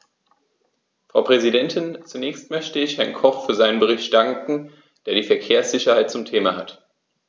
Frau Präsidentin, zunächst möchte ich Herrn Koch für seinen Bericht danken, der die Verkehrssicherheit zum Thema hat.